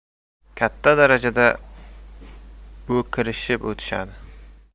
katta darajada bo'kirishib o'tishadi